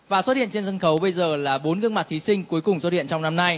và xuất hiện trên sân khấu bây giờ là bốn gương mặt thí sinh cuối cùng xuất hiện trong năm nay